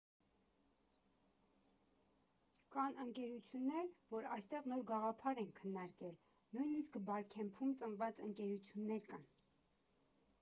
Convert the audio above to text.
Կան ընկերություններ, որ այստեղ նոր գաղափար են քննարկել, նույնիսկ Բարքեմփում ծնված ընկերություններ կան։